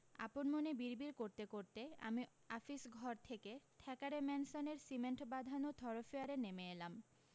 আপন মনে বিড়বিড় করতে করতে আমি আফিস ঘর থেকে থ্যাকারে ম্যানসনের সিমেণ্ট বাঁধানো থরোফেয়ারে নেমে এলাম